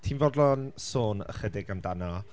Ti'n fodlon sôn ychydig amdano...